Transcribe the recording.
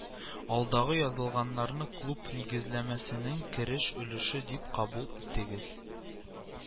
Алдагы язылганнарны клуб нигезләмәсенең кереш өлеше дип кабул итегез